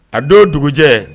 A don dugujɛ